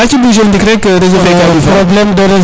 ya ci bouger o ndik rek réseau fe ka ƴufa